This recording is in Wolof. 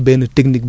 dafay yàgg